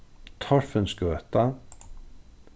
torfinsgøta